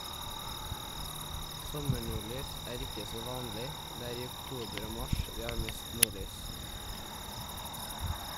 Sommernordlys er ikke så vanlig , det er i oktober og mars vi har mest nordlys.